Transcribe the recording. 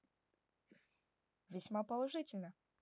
весьма положительно